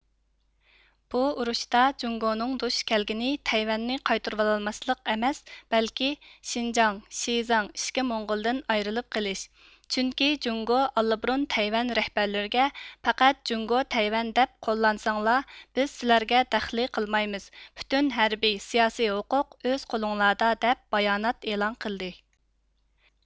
بۇ ئۇرۇشتا جۇڭگونىڭ دۇچ كەلگىنى تەيۋەننى قايتۇرۋالالماسلىق ئەمەس بەلكى شىنجاڭ شىزاڭ ئىچكى موڭغۇلدىن ئايرىلىپ قېلىش چۈنكى جۇڭگۇ ئاللىبۇرۇن تەيۋەن رەھبەرلىرىگە پەقەت جۇڭگۇ تەيۋەن دەپ قوللانساڭلار بىز سىلەرگە دەخلى قىلمايمىز پۈتۈن ھەربى سىياسى ھوقۇق ئۆز قولۇڭلاردا دەپ بايانات ئېلان قىلدى